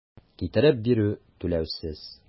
Китереп бирү - түләүсез.